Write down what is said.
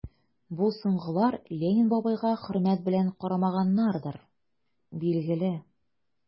Бу соңгылар Ленин бабайга хөрмәт белән карамаганнардыр, билгеле...